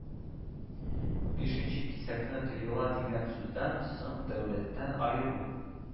Бишенче кисәкне “тыела” дигән сүздән соң “дәүләттән аеру”